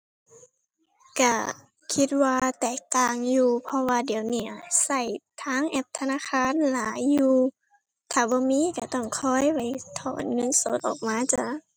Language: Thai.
ก็คิดว่าแตกต่างอยู่ เพราะว่าเดี๋ยวเนี้ยก็ทางแอปธนาคารหลายอยู่ ถ้าบ่มีก็ต้องคอยไปถอนเงินสดออกมาจ้า